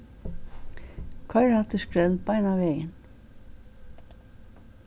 koyr hatta í skrell beinanvegin